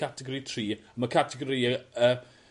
categori tri, ma' categori yy yy